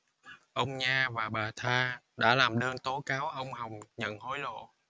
ông nha và bà tha đã làm đơn tố cáo ông hồng nhận hối lộ